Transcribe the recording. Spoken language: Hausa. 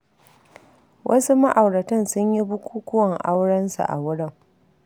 Wasu ma'auratan sun yi bukukuwan aurensu a wurin.